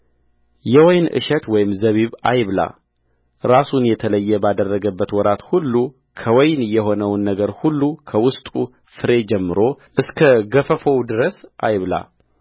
የወይን እሸት ወይም ዘቢብ አይብላራሱን የተለየ ባደረገበት ወራት ሁሉ ከወይን የሆነውን ነገር ሁሉ ከውስጡ ፍሬ ጀምሮ እስከ ገፈፎው ድረስ አይብላ